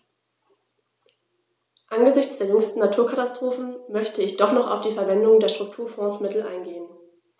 Angesichts der jüngsten Naturkatastrophen möchte ich doch noch auf die Verwendung der Strukturfondsmittel eingehen.